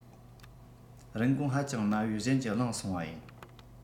རིན གོང ཧ ཅང དམའ བོས གཞན གྱིས བླངས སོང བ ཡིན